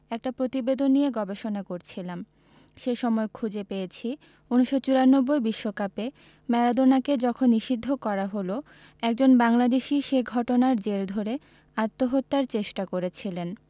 একটা প্রতিবেদন নিয়ে গবেষণা করছিলাম সে সময় খুঁজে পেয়েছি ১৯৯৪ বিশ্বকাপে ম্যারাডোনাকে যখন নিষিদ্ধ করা হলো একজন বাংলাদেশি সে ঘটনার জেল ধরে আত্মহত্যার চেষ্টা করেছিলেন